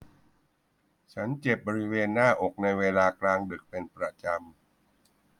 ฉันเจ็บบริเวณหน้าอกในเวลากลางดึกเป็นประจำ